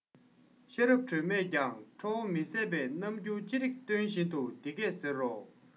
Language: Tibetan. ཤེས རབ སྒྲོལ མས ཀྱང ཁྲོ བ མི ཟད པའི རྣམ འགྱུར ཅི རིགས སྟོན བཞིན དུ འདི སྐད ཅེས ཟེར རོ